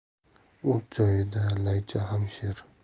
o'z joyida laycha ham sher